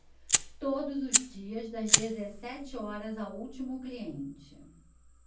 todos os dias das dezessete horas ao último cliente